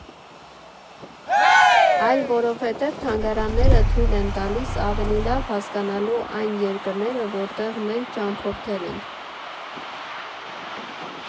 Այլ որովհետև թանգարանները թույլ են տալիս ավելի լավ հասկանալու այն երկրները, որտեղ մենք ճամփորդել ենք։